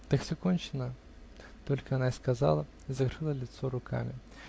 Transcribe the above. "Так все кончено?" -- только она и сказала и закрыла лицо руками.